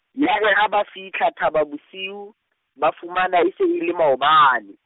yare ha ba fitlha Thaba bosiu, ba fumana e se e le maobane.